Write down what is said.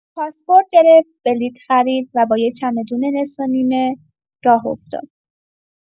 پاسپورت گرفت، بلیط خرید، و با یه چمدون نصفه‌نیمه راه افتاد.